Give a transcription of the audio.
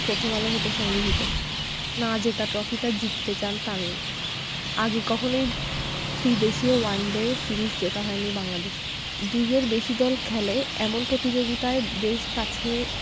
প্রথম আলো হতে সংগৃহীত না জেতা ট্রফিটা জিততে চান তামিম আগে কখনোই ত্রিদেশীয় ওয়ানডে সিরিজ জেতা হয়নি বাংলাদেশের দুইয়ের বেশি দল খেলে এমন প্রতিযোগিতায় বেশ কাছে